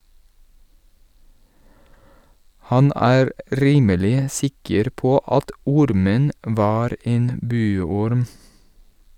Han er rimelig sikker på at ormen var en buorm.